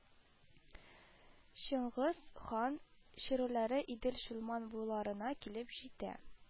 Чыңгыз хан чирүләре Идел-Чулман буйларына килеп җитә